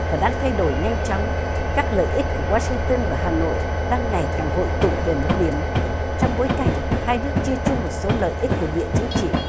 và đang thay đổi nhanh chóng các lợi ích của goa sing tơn và hà nội đang ngày càng hội tụ về một điểm trong bối cảnh hai nước chia chung một số lợi ích địa chính trị